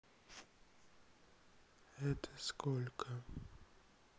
это сколько